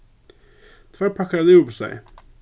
tveir pakkar av livurpostei